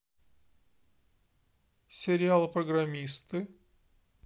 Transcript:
сериал программисты